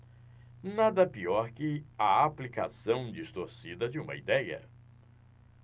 nada pior que a aplicação distorcida de uma idéia